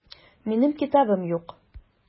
Минем китабым юк.